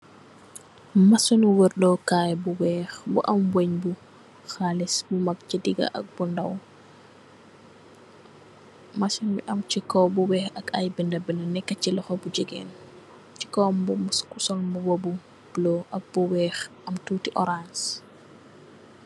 Masuni worrlor kai bu wekh bu am weungh bu halis bu mak chi digah ak bu ndaw, machine bii am chi kaw bu wekh ak aiiy binda neka chi lokhor bu gigain, chi kaw mbu bu ku sol mbuba bu bleu ak bu wekh, am tuti ohrance.